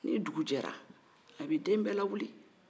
ni dugu jɛra a bɛ den bɛɛ lawuli